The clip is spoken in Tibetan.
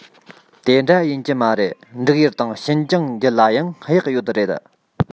དེ འདྲ ཡིན གྱི མ རེད འབྲུག ཡུལ དང ཤིན ཅང རྒྱུད ལ ཡང གཡག ཡོད རེད